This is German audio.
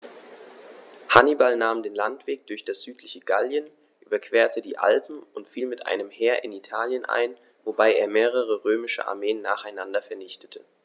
Hannibal nahm den Landweg durch das südliche Gallien, überquerte die Alpen und fiel mit einem Heer in Italien ein, wobei er mehrere römische Armeen nacheinander vernichtete.